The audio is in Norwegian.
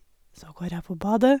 Så går jeg på badet.